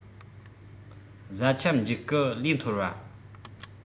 གཟའ ཁྱབ འཇུག སྐུ ལུས ཐོར བ